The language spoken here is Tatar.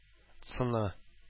Цена